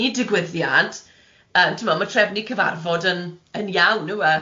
digwyddiad yy timod ma' trefnu cyfarfod yn yn iawn yw e